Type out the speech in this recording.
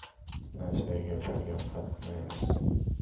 stansiyaga birga qatnaymiz